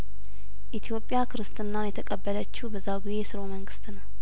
ኢትዮጵያ ክርስትናን የተቀበለችው በዛጔ ስርወ መንግስት ነው